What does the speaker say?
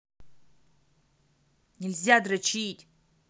нельзя дрочить